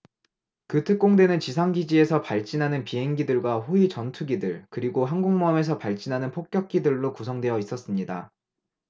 그 특공대는 지상 기지에서 발진하는 비행기들과 호위 전투기들 그리고 항공모함에서 발진하는 폭격기들로 구성되어 있었습니다